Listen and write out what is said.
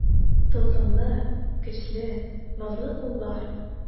Тылсымлы, көчле, назлы куллар.